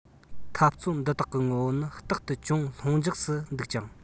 འཐབ རྩོད འདི དག གི ངོ བོ ནི རྟག ཏུ ཅུང ལྷོད འཇགས སུ འདུག ཅིང